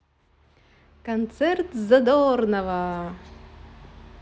концерт задорнова